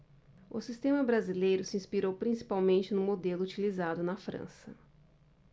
o sistema brasileiro se inspirou principalmente no modelo utilizado na frança